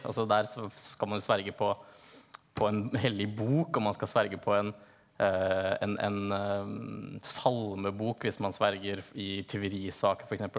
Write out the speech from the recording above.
altså der skal man jo sverge på på en hellig bok og man skal sverge på en en en salmebok hvis man sverger i tyverisaker for eksempel.